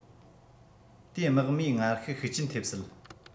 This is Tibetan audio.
དེའི དམག མིའི ངར ཤུགས ཤུགས རྐྱེན ཐེབས སྲིད